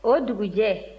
o dugujɛ